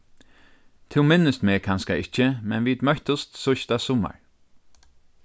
tú minnist meg kanska ikki men vit møttust síðsta summar